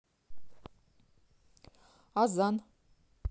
azan